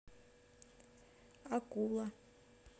акула